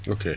ok